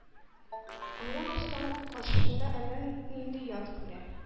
Аңламастан, каршысында әллә нинди «ят» күрә.